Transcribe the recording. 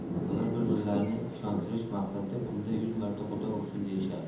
bolalar bir birlarini ishontirish maqsadida kunda yuz marta xudo ursin deyishadi